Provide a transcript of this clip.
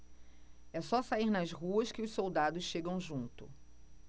é só sair nas ruas que os soldados chegam junto